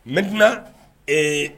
Mɛtina ee